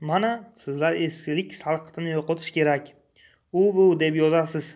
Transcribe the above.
mana sizlar eskilik sarqitini yo'qotish kerak u bu deb yozasiz